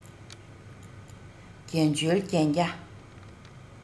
འགན བཅོལ གན རྒྱ